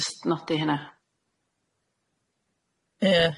Jyst nodi hunna. Ie.